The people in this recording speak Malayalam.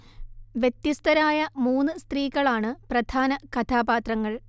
വ്യത്യസ്തരായ മൂന്ന് സ്ത്രീകളാണ് പ്രധാന കഥാപാത്രങ്ങൾ